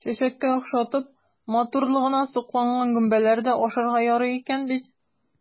Чәчәккә охшатып, матурлыгына сокланган гөмбәләр дә ашарга ярый икән бит!